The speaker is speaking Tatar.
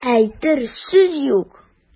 Ә әйтер сүз юк.